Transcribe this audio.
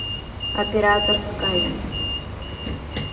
оператор sky